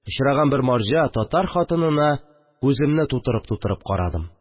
Очраган бер марҗа, татар хатынына күземне тутырып-тутырып карадым